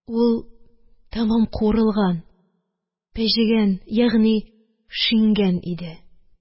Ул тәмам куырылган, пәҗегән, ягъни шиңгән иде